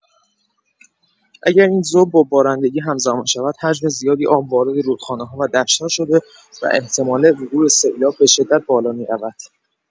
اگر این ذوب با بارندگی هم‌زمان شود، حجم زیادی آب وارد رودخانه‌ها و دشت‌ها شده و احتمال وقوع سیلاب به‌شدت بالا می‌رود.